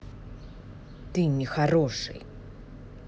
ты нехороший